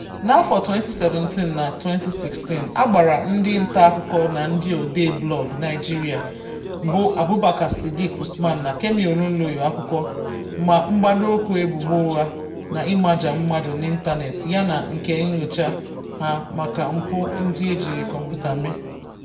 N'afọ 2017 na 2016, a gbara ndị ntaakụkọ na ndị odee blọọgụ Naịjirịa bụ Abubakar Sidiq Usman na Kemi Olunloyo akwụkwọ na mgbadoụkwụ ebubo ụgha na ịmaja mmadụ n'ịntaneetị ya na nke nyocha ha maka mpụ ndị e jiri kọmputa mee.